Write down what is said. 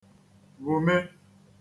wùme